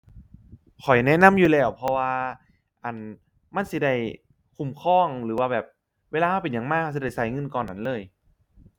ข้อยแนะนำอยู่แล้ว เพราะว่า อั่น มันสิได้คุ้มครอง หรือว่าแบบเวลาเราเป็นหยังมาเราสิได้เราเงินก้อนนั้นเลย